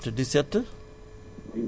77